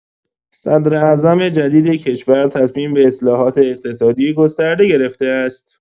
صدراعظم جدید کشور تصمیم به اصلاحات اقتصادی گسترده گرفته است.